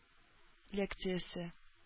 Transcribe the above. Лекциясе